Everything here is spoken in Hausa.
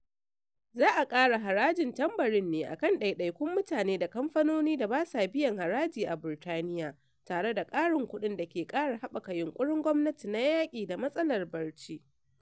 Za a ƙara harajin tambarin ne a kan ɗaiɗaikun mutane da kamfanoni da ba sa biyan haraji a Burtaniya, tare da ƙarin kuɗin da ke ƙara haɓaka yunkurin gwamnati na yaki da matsalar barci.